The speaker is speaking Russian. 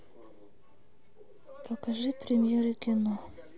покажи премьеры кино